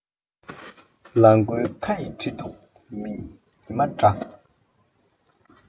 ལ མགོའི ཁ ཡི ཁྲི གདུགས ཉི མ འདྲ